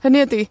Hynny ydi